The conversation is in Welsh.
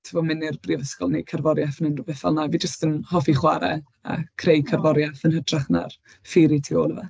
Tibod, mynd i'r brifysgol i wneud cerddoriaeth neu unrhyw beth fel 'na. Fi jyst yn hoffi chwarae a creu cerddoriaeth... aw! ...yn hytrach na'r theori tu ôl iddo fe.